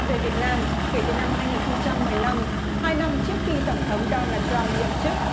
về việt nam kể từ năm hai nghìn không trăm mười lăm hai năm trước khi tổng thống đo nồ trăm nhậm chức